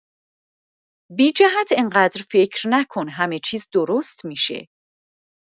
بی‌جهت انقدر فکر نکن، همه چیز درست می‌شه.